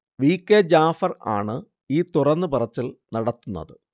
V. K Jafar ആണ് ഈ തുറന്നു പറച്ചിൽ നടത്തുന്നത്